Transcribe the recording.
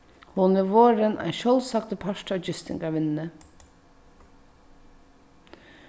hon er vorðin ein sjálvsagdur partur av gistingarvinnuni